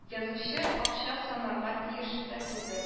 Язучы акча санарга тиеш тә түгел